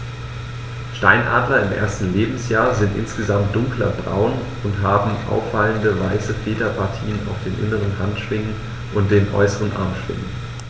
Steinadler im ersten Lebensjahr sind insgesamt dunkler braun und haben auffallende, weiße Federpartien auf den inneren Handschwingen und den äußeren Armschwingen.